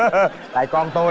tại con tôi